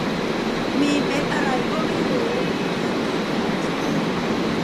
มีเม็ดอะไรก็ไม่รู้ขึ้นที่แขนฉัน